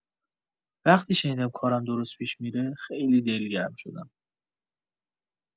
وقتی شنیدم که کارم درست پیش می‌ره، خیلی دلگرم شدم.